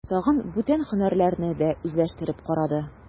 Тагын бүтән һөнәрләрне дә үзләштереп карады.